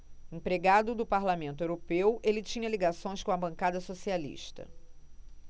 empregado do parlamento europeu ele tinha ligações com a bancada socialista